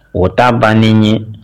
O ta bannen ye